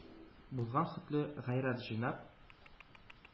Булган хәтле гайрәт җыйнап: